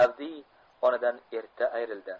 avdiy onadan erta ayrildi